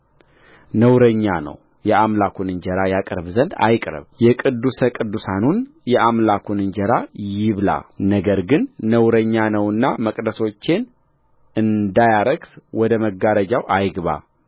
ነውረኛ ነው የአምላኩን እንጀራ ያቀርብ ዘንድ አይቅረብየቅዱሱንና የቅዱስ ቅዱሳኑን የአምላኩን እንጀራ ይብላነገር ግን ነውረኛ ነውና መቅደሶቼን እንዳያረክስ ወደ መጋረጃው አይግባ